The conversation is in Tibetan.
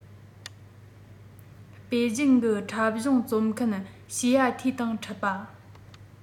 པེ ཅིང གི འཁྲབ གཞུང རྩོམ མཁན ཞི ཡ ཐུའི དང འཕྲད པ